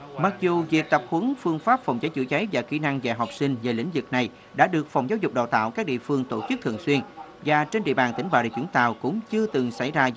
mặc dù việc tập huấn phương pháp phòng cháy chữa cháy và kỹ năng dạy học sinh về lĩnh vực này đã được phòng giáo dục đào tạo các địa phương tổ chức thường xuyên và trên địa bàn tỉnh bà rịa vũng tàu cũng chưa từng xảy ra